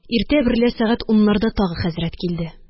Иртә берлә сәгать уннарда тагы хәзрәт килде.